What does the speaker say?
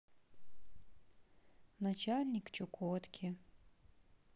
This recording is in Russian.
начальник чукотки